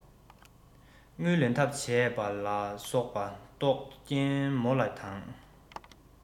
དངུལ ལེན ཐབས བྱས པ ལ སོགས པ རྟོག རྐྱེན མོ ལ དང